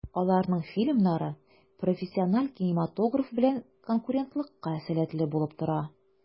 Аларның фильмнары профессиональ кинематограф белән конкурентлыкка сәләтле булып бара.